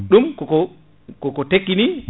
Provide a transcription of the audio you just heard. ɗum koko koko tekki ni